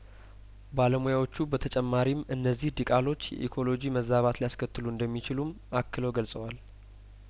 ባለሙያዎቹ በተጨማሪም እነዚህ ዲቃሎች የኢኮሎጂ መዛባት ሊያስከትሉ እንደሚችሉም አክለው ገልጸዋል